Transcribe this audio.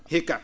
hikka